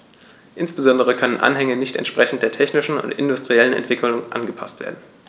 Insbesondere können Anhänge nicht entsprechend der technischen und industriellen Entwicklung angepaßt werden.